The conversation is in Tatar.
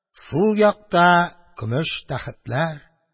Сул якта көмеш тәхетләр.